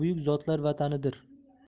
buyuk zotlar vatanidir